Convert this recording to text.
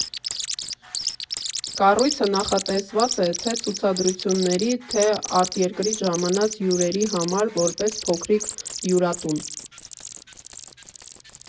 Կառույցը նախատեսված է թե՛ ցուցադրությունների և թե՛ արտերկրից ժամանած հյուրերի համար որպես փոքրիկ հյուրատուն։